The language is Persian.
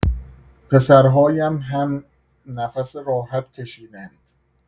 پسرهایم هم نفس راحت کشیدند.